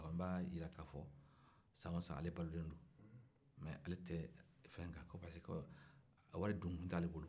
wa n b'a jira ka fɔ ko san o san ale balolen don mɛ ko wari don kun t'ale bolo